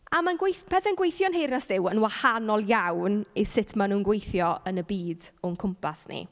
A mae'n gweith- pethau'n gweithio yn nheyrnas Duw yn wahanol iawn i sut maen nhw'n gweithio yn y byd o'n cwmpas ni.